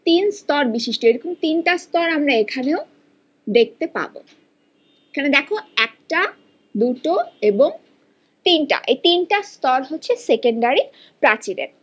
তিন স্তর বিশিষ্ট এরকম তিনটা স্তর আমরা এখানেও দেখতে পাবো এখানে দেখো একটা দুটো এবং তিনটা এই তিনটা স্তর হচ্ছে সেকেন্ডারি প্রাচীরের